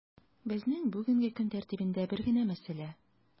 Безнең бүгенге көн тәртибендә бер генә мәсьәлә: